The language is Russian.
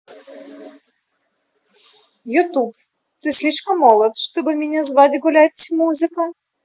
youtube ты слишком молод чтобы меня звать гулять музыка